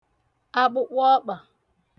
akpụkpụọkpà